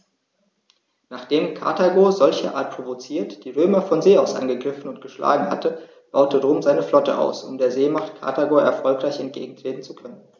Nachdem Karthago, solcherart provoziert, die Römer von See aus angegriffen und geschlagen hatte, baute Rom seine Flotte aus, um der Seemacht Karthago erfolgreich entgegentreten zu können.